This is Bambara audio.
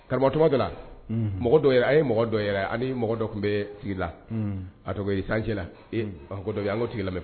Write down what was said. Karamɔgɔtɔmakɛ mɔgɔ a ye mɔgɔ dɔ ani mɔgɔ dɔ tun bɛ sigi la a tɔgɔ sancɛ la ee a an ko tigi lamɛn